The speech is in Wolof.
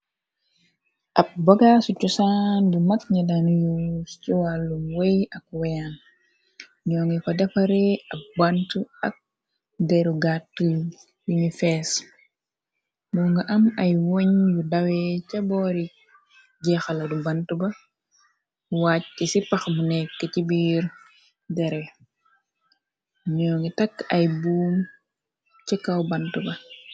Ab bogaasu cosaan yu mag ña dan yu ci wàllum wey ak weyaan ñoo ngi ka defaree ab bant ak deru gàtt yuni fees moo nga am ay woñ yu dawee ca boori jeexala du bant ba wàaj c ci pax bu nekk ci biir dere ñoo ngi takk ay buum ca kaw bant ba